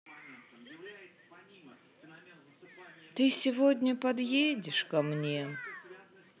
ты сегодня подъедешь ко мне